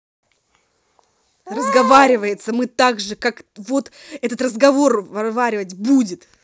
разговаривается мы так же как вот этот разговаривать будет